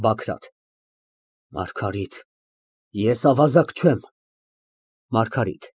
ԲԱԳՐԱՏ ֊ (Վիրավորված)։ Ես ավազակ չեմ, Մարգարիտ։